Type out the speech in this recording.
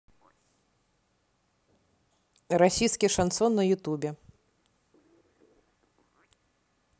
российский шансон на ютубе